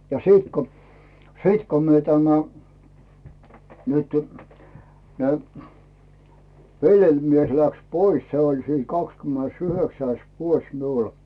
ja sitten kun sitten kun me tämä nyt ne velimies läksi pois se oli siinä kahdeskymmenesyhdeksäs vuosi minulla